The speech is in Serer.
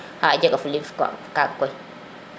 xa a jega fu lim kaga koy